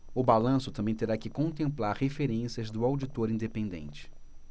o balanço também terá que contemplar referências do auditor independente